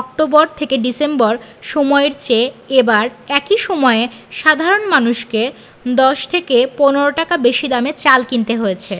October December সময়ের চেয়ে এবার একই সময়ে সাধারণ মানুষকে ১০ থেকে ১৫ টাকা বেশি দামে চাল কিনতে হয়েছে